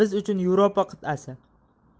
biz uchun yevropa qit'asi